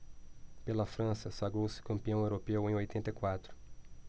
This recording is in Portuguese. pela frança sagrou-se campeão europeu em oitenta e quatro